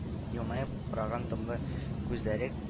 Елмаеп караган дымлы күзләре